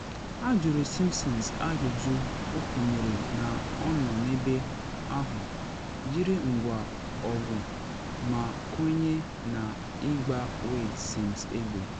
Ajụrụ Simpson ajụjụ, ọ kwenyere na ọ n’ebe ahụ, jiri ngwa ọgụ, ma kwenye na ịgba Wayde Sims egbe.